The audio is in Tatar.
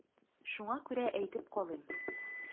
Шуңа күрә әйтеп калыйм.